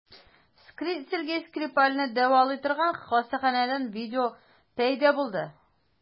Сергей Скрипальне дәвалый торган хастаханәдән видео пәйда булды.